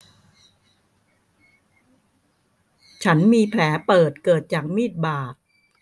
ฉันมีแผลเปิดเกิดจากมีดบาด